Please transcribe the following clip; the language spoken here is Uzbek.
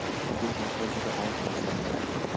u haqda juda oz narsa bilardi